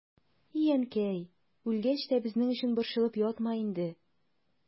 И әнкәй, үлгәч тә безнең өчен борчылып ятма инде.